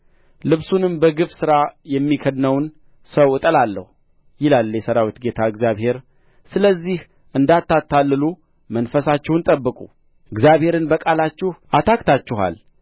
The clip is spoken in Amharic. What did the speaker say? ልብሱንም በግፍ ሥራ የሚከድነውን ሰው እጠላለሁ ይላል የሠራዊት ጌታ እግዚአብሔር ስለዚህ እንዳታታልሉ መንፈሳችሁን ጠብቁ እግዚአብሔርን በቃላችሁ አታክታችኋል